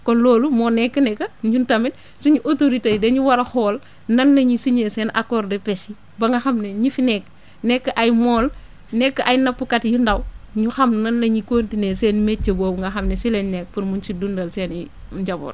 kon loolu moo nekk ne que ñun tamit suñu autorités yi dañu war a xool nan la ñuy signer seen accord de pêche yi ba nga xam ne ñi fi nekk nekk ay mool nekk ay nappkat yu ndaw ñu xam nan la ñuy continuer seen métier nga xam ne si lañ ne pour mun si dundal seen i njaboot